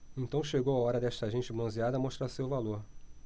então chegou a hora desta gente bronzeada mostrar seu valor